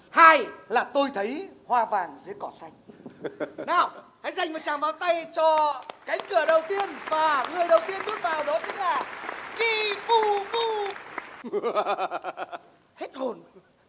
hai là tôi thấy hoa vàng dưới cỏ xanh nào hãy dành một tràng pháo tay cho cánh cửa đầu tiên và người đầu tiên bước vào đó là chi pu pu hết hồn